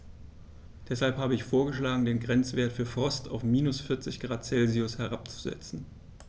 Deshalb habe ich vorgeschlagen, den Grenzwert für Frost auf -40 ºC herabzusetzen.